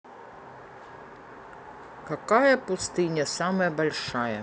какая пустыня самая большая